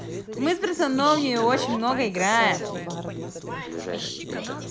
мы с братом в нее очень много играем